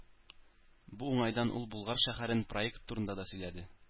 Бу уңайдан ул Болгар шәһәрен проект турында да сөйләде.